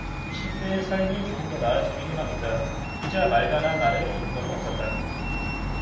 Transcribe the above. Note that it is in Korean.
이십 대의 삶이 조금 더 나아지길 희망했다 기자 말가난 아래 인권은 없었다